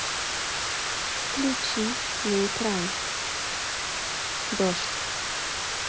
включи на экран дождь